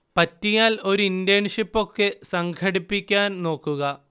പറ്റിയാൽ ഒരു ഇന്റേൺഷിപ്പൊക്കെ സംഘടിപ്പിക്കാൻ നോക്കുക